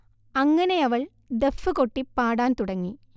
അങ്ങനെയവൾ ദഫ്ഫ് കൊട്ടി പാടാൻ തുടങ്ങി